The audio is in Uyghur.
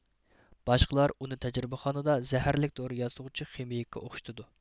باشقىلار ئۇنى تەجرىبىخانىدا زەھەرلىك دورا ياسىغۇچى خىمىيىكقا ئوخشىتىدۇ